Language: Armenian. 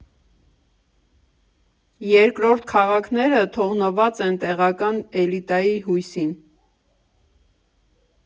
Երկրորդ քաղաքները թողնված են տեղական էլիտայի հույսին։